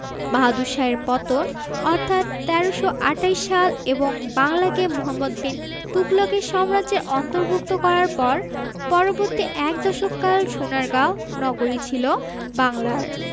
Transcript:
বাহাদুর শাহের পতন অর্থাৎ ১৩২৮ সাল এবং বাংলাকে মুহাম্মদ বিন তুগলকের সাম্রাজ্যের অর্ন্তভুক্ত করার পর পরবর্তী এক দশক কাল সোনারগাঁও নগরী ছিল বাংলার